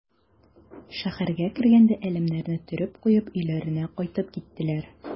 Шәһәргә кергәндә әләмнәрне төреп куеп өйләренә кайтып киттеләр.